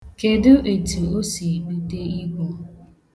Kedu etu o si bute igwu?